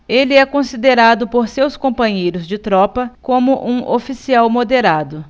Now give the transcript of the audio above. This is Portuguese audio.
ele é considerado por seus companheiros de tropa como um oficial moderado